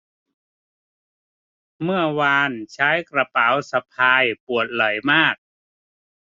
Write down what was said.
เมื่อวานใช้กระเป๋าสะพายปวดไหล่มาก